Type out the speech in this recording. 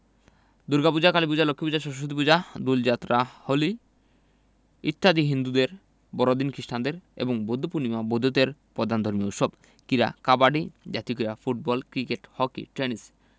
দুর্গাপূজা কালীপূজা লক্ষ্মীপূজা সরস্বতীপূজা দোলযাত্রা হোলি ইত্যাদি হিন্দুদের বড়দিন খ্রিস্টানদের এবং বৌদ্ধপূর্ণিমা বৌদ্ধদের প্রধান ধর্মীয় উৎসব ক্রীড়াঃ কাবাডি জাতীয় ক্রীড়া ফুটবল ক্রিকেট হকি টেনিস